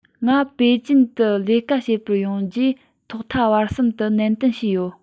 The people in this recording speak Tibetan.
ང པེ ཅིན དུ ལས ཀ བྱེད པར ཡོང རྗེས ཐོག མཐའ བར གསུམ དུ ནན བཤད བྱས ཡོད